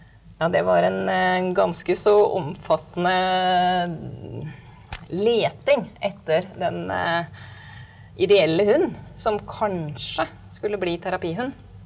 ja det var en ganske så omfattende leting etter den ideelle hunden som kanskje skulle bli terapihund.